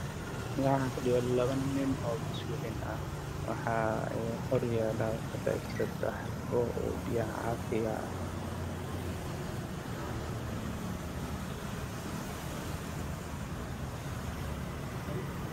Waa laba nin oo ku fadhiyaan kuraas madow ah waxa ay wataan mastuud midna shati miis ay horyaalo